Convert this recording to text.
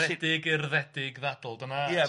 'Caredig, urddedig, ddadl,' dyna ti'bod...